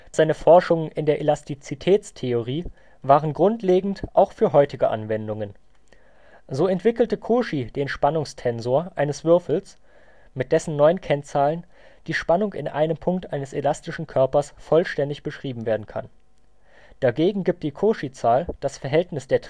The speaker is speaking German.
Seine Forschungen in der Elastizitätstheorie waren grundlegend auch für heutige Anwendungen. So entwickelte Cauchy den Spannungstensor eines Würfels, mit dessen 9 Kennzahlen die Spannung in einem Punkt eines elastischen Körpers vollständig beschrieben werden kann. Dagegen gibt die Cauchy-Zahl das Verhältnis der